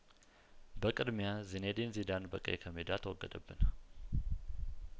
በቅድሚያ ዚኔዲን ዚዳን በቀይ ከሜዳ ተወገደብን